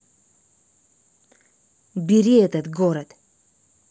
убери этот город